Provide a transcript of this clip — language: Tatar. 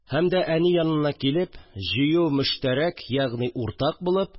Һәм дә, әни янына килеп, җыю мөштәрәк, ягъни уртак булып